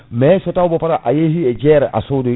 mais so taw bo pa* a yeehi e jeere a sodoyi